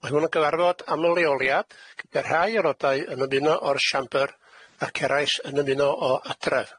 Ma' hwn yn gyfarfod aml-leoliad gyda rhai aelodau yn ymuno o'r siambr ac eraill yn ymuno o adref.